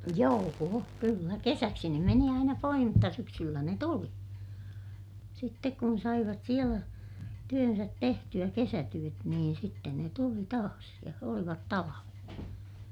joo kyllä kesäksi ne meni aina pois mutta syksyllä ne tuli sitten kun saivat siellä työnsä tehtyä kesätyöt niin sitten ne tuli taas ja olivat talven